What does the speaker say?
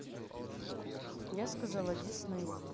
я сказала дисней